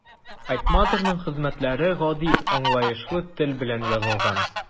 Айтматовның хезмәтләре гади, аңлаешлы тел белән язылган.